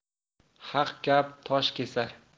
haq gap tosh kesar